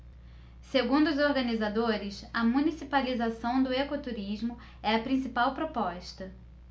segundo os organizadores a municipalização do ecoturismo é a principal proposta